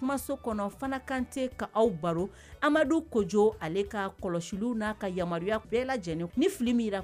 Fana kan aw baro amadu ko jo ale ka kɔlɔsi n'a ka yamaruyariya bɛɛ lajɛ lajɛlen